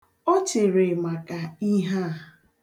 O chere maka ihe a.